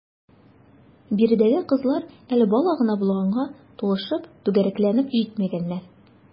Биредәге кызлар әле бала гына булганга, тулышып, түгәрәкләнеп җитмәгәннәр.